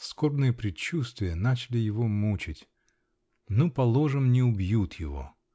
Скорбные предчувствия начали его мучить. Ну, положим, не убьют его.